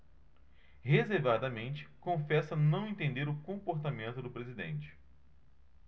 reservadamente confessa não entender o comportamento do presidente